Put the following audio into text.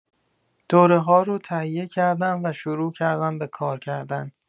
دوره‌ها رو تهیه کردم و شروع کردم به کار کردن.